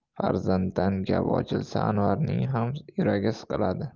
farzanddan gap ochilsa anvarning ham yuragi siqiladi